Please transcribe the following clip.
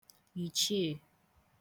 ìchiè